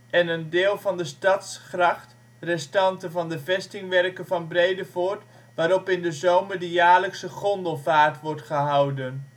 en een deel van de stadsgracht, restanten van de vestingwerken van Bredevoort waarop in de zomer de jaarlijkse gondelvaart wordt gehouden